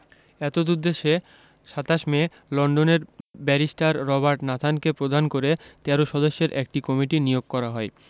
এতদুদ্দেশ্যে ২৭ মে লন্ডনের barrister Robert নাথানকে প্রধান করে ১৩ সদস্যের একটি কমিটি নিয়োগ করা হয়